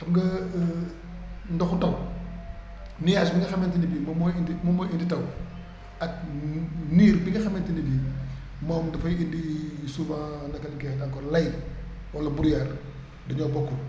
xam nga ndoxu taw nuage bi nga xamante ne bii moom mooy indi moom mooy indi taw ak niir bi nga xamante ne bii moom dafay indi souvent naka lañ koy waxee encore lay wala broullard dañoo bokkul